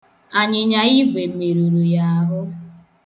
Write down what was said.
Anyịnyaigwe meruru ya ahụ.